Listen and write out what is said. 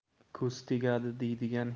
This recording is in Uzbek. ko'z tegadi deydigan